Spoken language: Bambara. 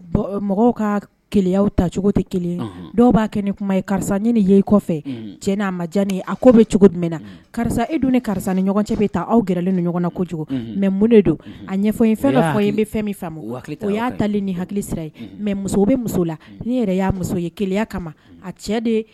Mɔgɔw ka ke ta cogo tɛ kelen dɔw b'a kɛ ni kuma ye karisa ɲini ye i kɔfɛ cɛ n'a ma diya a ko bɛ cogo jumɛn na karisa e dun ni karisa ni ɲɔgɔn cɛ bɛ taa aw glen ni ɲɔgɔn na ko cogo mɛ mun don a ɲɛfɔ fɛn bɛ fɔ bɛ fɛn min to o y'a tali ni hakili sira ye mɛ muso bɛ muso la ne yɛrɛ y'a muso ye keya kama a cɛ de ye